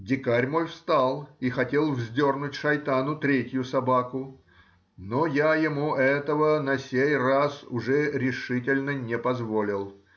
Дикарь мой встал и хотел вздернуть шайтану третью собаку, но я ему этого на сей раз уже решительно не позволил.